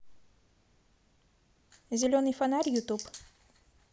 зеленый фонарь ютуб